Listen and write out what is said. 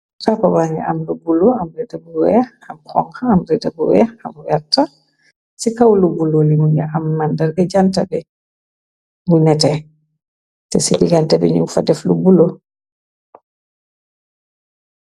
Saaku ba ngi am lu bulo, am rida bu weex, am xonxa, am rêda bu weex, am werta, ci kaw lu bulo li mungi am mandarga jante bi, bu nete te ci digante bi ñu fa def lu bulo.